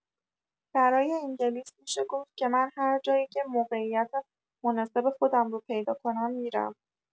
برای انگلیس می‌شه گفت که من هر جایی که موقعیت مناسب خودم رو پیدا کنم می‌رم.